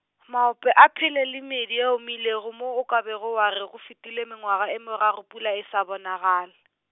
maope a phele le meedi e omilego mo o ka bego wa re go fetile mengwaga e meraro pula e se sa bonagale.